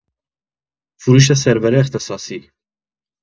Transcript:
فروش سرور اختصاصی